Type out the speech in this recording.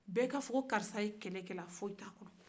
bɛɛ ka fɔ ko karisa ye kɛlɛkɛla ye foyi t'a kɔ